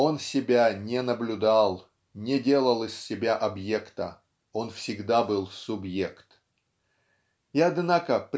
он себя не наблюдал, не делал из себя об'екта, он всегда был суб'ект. И однако